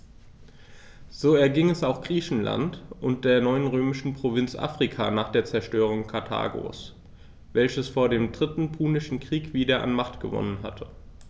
So erging es auch Griechenland und der neuen römischen Provinz Afrika nach der Zerstörung Karthagos, welches vor dem Dritten Punischen Krieg wieder an Macht gewonnen hatte.